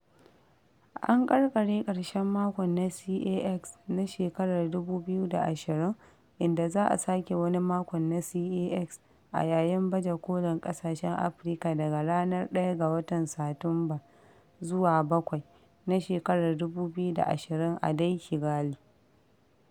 An ƙarƙare ƙarshen makon na CAX na shekarar 2020, inda za a sake wani makon na CAX a yayin baje kolin ƙasashen Afirka daga ranar 1 ga watan Satumbar zuwa 7 , na shekarar 2020 a dai Kigali.